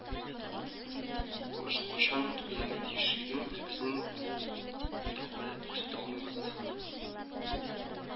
Бу эш кайчан төгәлләнергә тиешлеген үзебезнең дәгъвада күрсәтә алмыйбыз